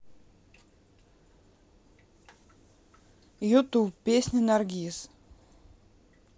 youtube песня наргиз